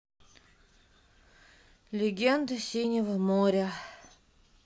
легенда синего моря